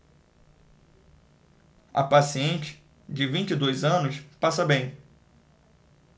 a paciente de vinte e dois anos passa bem